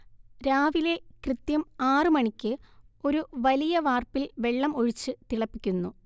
രാവിലെ കൃത്യം ആറ് മണിക്ക് ഒരു വലിയ വാർപ്പിൽ വെള്ളം ഒഴിച്ചു തിളപ്പിക്കുന്നു